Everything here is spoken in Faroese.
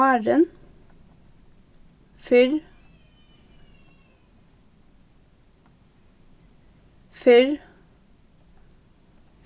áðrenn fyrr fyrr